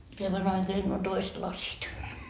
nuo toiset lasit